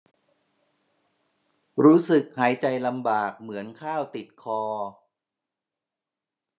รู้สึกหายใจลำบากเหมือนข้าวติดคอ